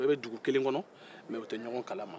u bɛɛ be dugu kelen kɔnɔ mɛ u tɛ ɲɔgɔn kalama